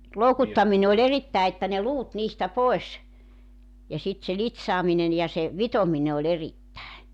loukuttaminen oli erittäin että ne luut niistä pois ja sitten se litsaaminen ja se vitominen oli erittäin